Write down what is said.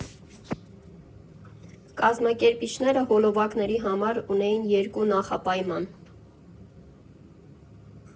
Կազմակերպիչները հոլովակների համար ունեին երկու նախապայման.